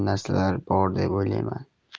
narsalar bor deb o'ylayman